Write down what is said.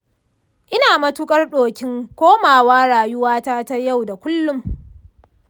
ina matuƙar ɗokin komawa rayuwata ta yau da kullum.